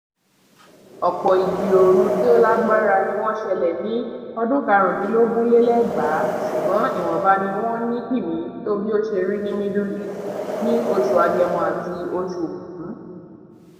Ọ̀pọ̀ ìgbì ooru tí ó lágbára ni wọ́n ṣẹlẹ̀ ní ọdún 2015, ṣùgbọ́n ìwọ̀nba ni wọ́n ní kìmí tó bí ó ṣe rí ní Middle East ní oṣù Agẹmọ ati oṣù Ògún.